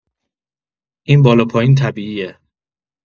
این بالا پایین طبیعیه.